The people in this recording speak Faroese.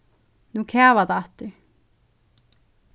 nú kavar tað aftur